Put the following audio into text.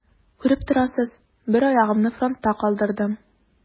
Күреп торасыз: бер аягымны фронтта калдырдым.